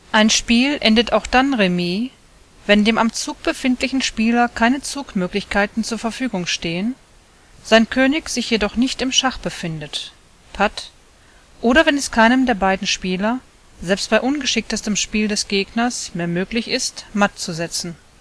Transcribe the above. Ein Spiel endet auch dann remis, wenn dem am Zug befindlichen Spieler keine Zugmöglichkeiten zur Verfügung stehen, sein König sich jedoch nicht im Schach befindet (Patt) oder wenn es keinem der beiden Spieler, selbst bei ungeschicktestem Spiel des Gegners, mehr möglich ist, Matt zu setzen